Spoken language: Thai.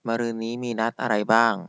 มะรืนนี้มีนัดอะไรบ้าง